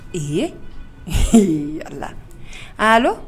Ee a la